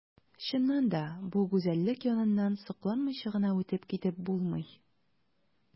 Чыннан да бу гүзәллек яныннан сокланмыйча гына үтеп китеп булмый.